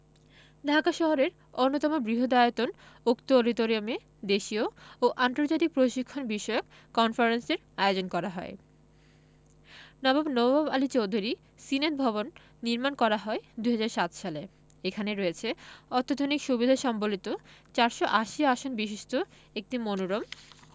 ঢাকা শহরের অন্যতম বৃহদায়তন উক্ত অডিটোরিয়ামে দেশীয় ও আন্তর্জাতিক প্রশিক্ষণ বিষয়ক কনফারেন্সের আয়োজন করা হয় নবাব নওয়াব আলী চৌধুরী সিনেট ভবন নির্মাণ করা হয় ২০০৭ সালে এখানে রয়েছে অত্যাধুনিক সুবিধা সম্বলিত ৪৮০ আসন বিশিষ্ট একটি মনোরম